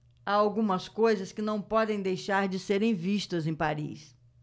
há algumas coisas que não podem deixar de serem vistas em paris